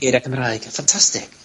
...geiriau Cymraeg yn ffantastig.